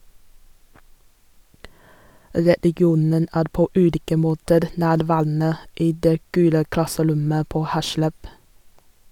Religionen er på ulike måter nærværende i det gule klasserommet på Hersleb.